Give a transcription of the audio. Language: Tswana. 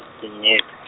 ke nyets-.